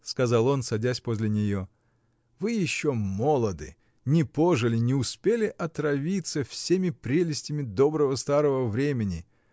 — сказал он, садясь подле нее, — вы еще молоды, не пожили, не успели отравиться всеми прелестями доброго старого времени.